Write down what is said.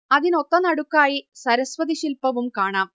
അതിനൊത്തനടുക്കായി സരസ്വതി ശില്പവും കാണാം